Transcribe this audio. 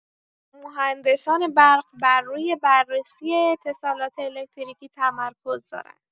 مهندسان برق بر روی بررسی اتصالات الکتریکی تمرکز دارند.